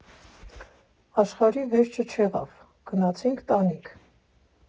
Աշխարհի վերջը չեղավ՝ գնացինք տանիք։